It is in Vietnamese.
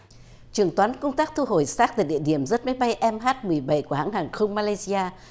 trưởng toán công tác thu hồi xác tại địa điểm rớt máy bay e mờ hắt mười bảy của hãng hàng không ma lay si a